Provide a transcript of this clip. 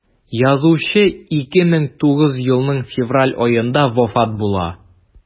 Язучы 2009 елның февраль аенда вафат була.